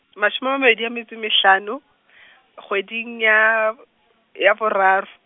mashome a mabedi a metso e mehlano , kgweding ya b-, ya boraro.